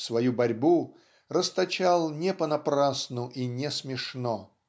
свою борьбу расточал не понапрасну и не смешно